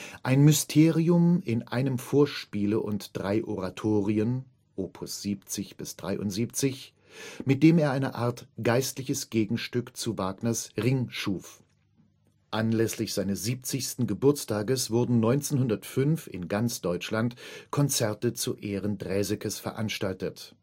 Ein Mysterium in einem Vorspiele und drei Oratorien op. 70 – 73, mit dem er eine Art geistliches Gegenstück zu Wagners Ring schuf. Anlässlich seines 70. Geburtstages wurden 1905 in ganz Deutschland Konzerte zu Ehren Draesekes veranstaltet